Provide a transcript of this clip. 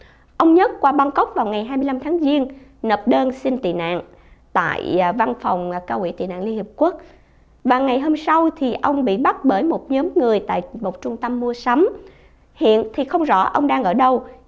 ông nhất qua băng cốc vào ngày hai mươi lăm tháng giêng nộp đơn xin tị nạn tại văn phòng cao ủy tị nạn liên hiệp quốc ban ngày hôm sau thì ông bị bắt bởi một nhóm người tại một trung tâm mua sắm hiện thì không rõ ông đang ở đâu